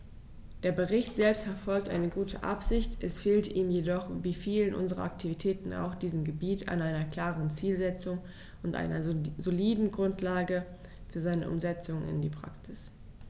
Der Bericht selbst verfolgt eine gute Absicht, es fehlt ihm jedoch wie vielen unserer Aktivitäten auf diesem Gebiet an einer klaren Zielsetzung und einer soliden Grundlage für seine Umsetzung in die Praxis.